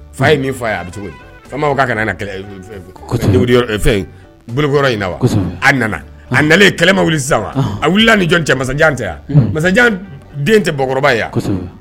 Fa ye min fɔ a ye a bɛ cogo? Fa ma fɔ ka nana ka kɛ boloko yɔrɔ in na wa, kosɛbɛ, a nana a nalen kɛlɛ ma wili sisan wa, unhun,a wulila ni jɔn cɛ masajan tɛ wa, unhun, masajan den tɛkɔrɔba wa, kosɛbɛ